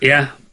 Ia.